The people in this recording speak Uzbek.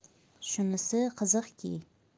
shunisi qiziqki